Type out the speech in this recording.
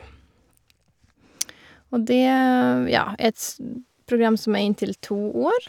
Og det, v ja, er et program som er inntil to år.